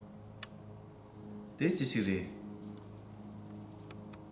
དེ ཅི ཞིག རེད